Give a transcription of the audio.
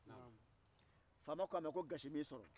faama ko a ma ko gasi m'i sɔrɔ